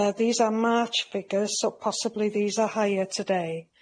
Yy these are March figures so possibly these are higher today.